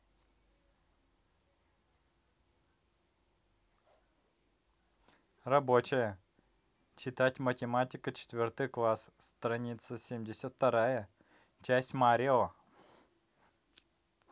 рабочая читать математика четвертый класс страница семьдесят вторая часть mario